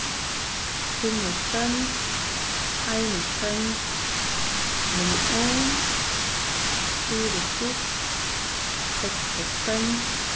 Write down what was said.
fimmoghálvfems einoghálvfems millión fýraogfýrs seksoghálvfems